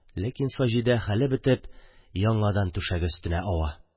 Ләкин Саҗидә, хәле бетеп, яңадан түшәге өстенә ава.